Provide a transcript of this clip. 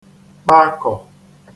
-kpakọ̀